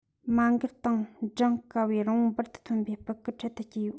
མ མགལ སྟེང བགྲངས དཀའ བའི རིང པོར འབུར དུ ཐོན པའི སྤུ སྐུད འཕྲེད དུ སྐྱེས ཡོད